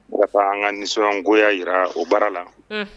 Ka an ka nisɔn angoya jira o baara la